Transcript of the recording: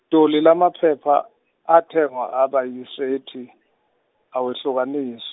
Dolly, lamaphepha athengwa aba yisethi awehlukaniswa.